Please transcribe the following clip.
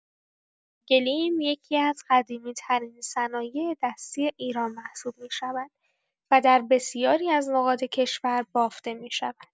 گلیم یکی‌از قدیمی‌ترین صنایع‌دستی ایران محسوب می‌شود و در بسیاری از نقاط کشور بافته می‌شود.